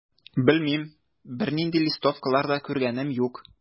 Белмим, бернинди листовкалар да күргәнем юк.